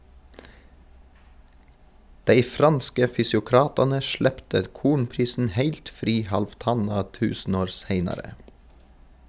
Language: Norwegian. Dei franske fysiokratane slepte kornprisen heilt fri halvtanna tusenår seinare.